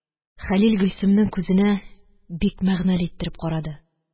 Хәлил Гөлсемнең күзенә бик мәгънәле иттереп карады